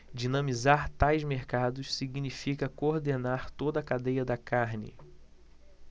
dinamizar tais mercados significa coordenar toda a cadeia da carne